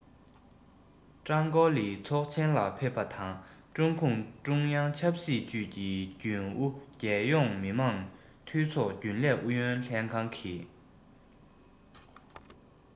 ཀྲང ཀའོ ལི ཚོགས ཆེན ལ ཕེབས པ དང ཀྲུང གུང ཀྲུང དབྱང ཆབ སྲིད ཅུས ཀྱི རྒྱུན ཨུ རྒྱལ ཡོངས མི དམངས འཐུས ཚོགས རྒྱུན ལས ཨུ ཡོན ལྷན ཁང གི